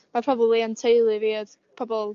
ma' probably yn teulu fi o'dd pobol